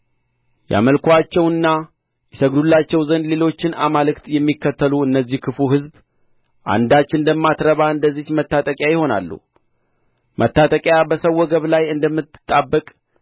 ያመልኩአቸውና ይሰግዱላቸው ዘንድ ሌሎችን አማልክት የሚከተሉ እነዚህ ክፉ ሕዝብ አንዳች እንዳማትረባ እንደዚች መታጠቂያ ይሆናሉ መታጠቂያ በሰው ወገብ ላይ እንደምትጣበቅ